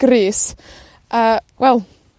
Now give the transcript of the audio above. grys, a, wel,